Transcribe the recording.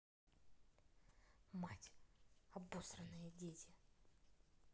мать обосранные дети